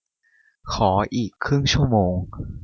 ขออีกครึ่งชั่วโมง